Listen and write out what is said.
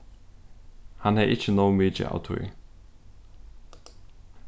hann hevði ikki nóg mikið av tíð